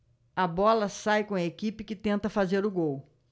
a bola sai com a equipe que tenta fazer o gol